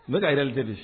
N bɛ ka yɛrɛli debi